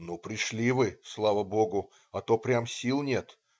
"Ну, пришли вы, слава Богу, а то прямо сил нет.